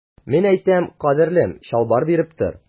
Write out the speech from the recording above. Мин әйтәм, кадерлем, чалбар биреп тор.